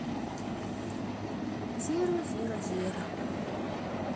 зеро зеро зеро